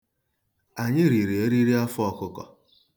Anyị riri eririafọ ọkụkọ.